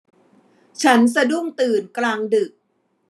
ฉันสะดุ้งตื่นกลางดึก